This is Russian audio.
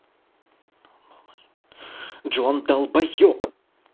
john долбоеб